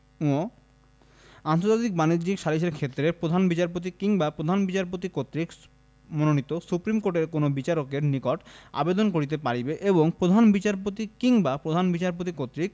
ঙ আন্তর্জাতিক বাণিজ্যিক সালিসের ক্ষেত্রে প্রধান বিচারপতি কিংবা প্রধান বিচারপতি কর্তৃক মনোনীত সুপ্রীম কোর্টের কোন বিচারকের নিকট আবেদন করিতে পারিবে এবং প্রধান বিচারপতি কিংবা প্রধান বিচারপতি কর্তৃক